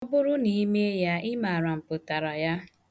Ọ bụrụ na ị mee ya, ị mara mpụtara ya.